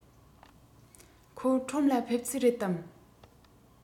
ཁོ ཁྲོམ ལ ཕེབས རྩིས རེད དམ